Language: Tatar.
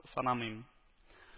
Санамыйм